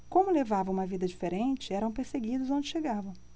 como levavam uma vida diferente eram perseguidos onde chegavam